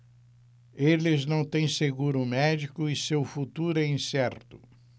eles não têm seguro médico e seu futuro é incerto